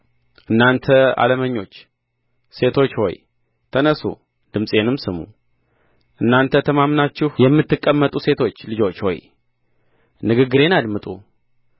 እናንተ ዓለመኞች ሴቶች ሆይ ተነሡ ድምፄንም ስሙ እናንተ ተማምናችሁ የምትቀመጡ ሴቶች ልጆች ሆይ ንግግሬን አድምጡ